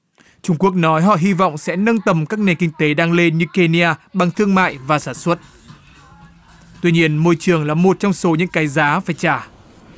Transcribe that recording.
trung quốc nói họ hy vọng sẽ nâng tầm các nền kinh tế đang lên như kên ni a bằng thương mại và sản xuất tuy nhiên môi trường là một trong số những cái giá phải trả